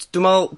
D- dwi me'wl